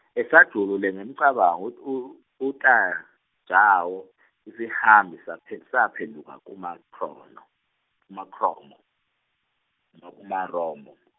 esajulile ngemicabango u- u- uTajawo isihambi saphendu- saphenduka uMakrono- kuMakromo- uMaromo.